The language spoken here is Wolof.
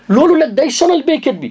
loolu nag day sonal béykat bi